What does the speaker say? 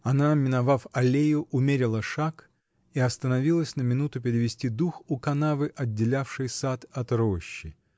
Она, миновав аллею, умерила шаг и остановилась на минуту перевести дух у канавы, отделявшей сад от рощи.